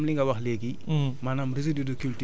bon xam naa comme li nga wax léegi